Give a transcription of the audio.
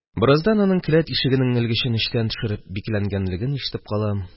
Бераздан аның, келәт ишегенең элгечен эчтән төшереп, бикләнгәнлеген ишетеп калам.